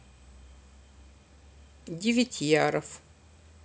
деветьяров